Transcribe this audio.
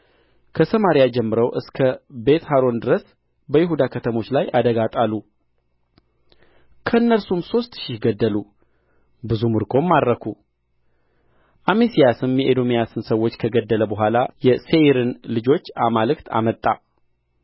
ከሰማርያ ጀምረው እስከ ቤትሖሮን ድረስ በይሁዳ ከተሞች ላይ አደጋ ጣሉ ከእነርሱም ሦስት ሺህ ገደሉ ብዙ ምርኮም ማረኩ አሜስያስም የኤዶምያስን ሰዎች ከገደለ በኋላ የሴይርን ልጆች አማልክት አመጣ